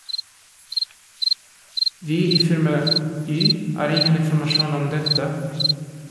Vi i firma Y har ingen informasjon om dette.